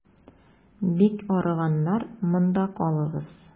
Бик арыганнар, монда калыгыз.